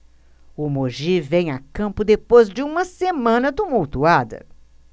o mogi vem a campo depois de uma semana tumultuada